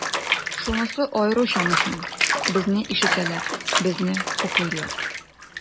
Шунысы аеруча мөһим, безне ишетәләр, безне хуплыйлар.